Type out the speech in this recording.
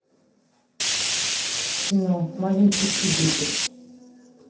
кино маленький свидетель